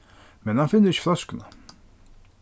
men hann finnur ikki fløskuna